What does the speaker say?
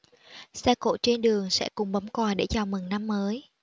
xe cộ trên đường sẽ cùng bấm còi để chào mừng năm mới